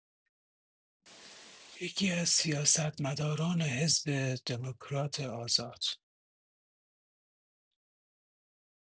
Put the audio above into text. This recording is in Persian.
یکی‌از سیاستمداران حزب دموکرات آزاد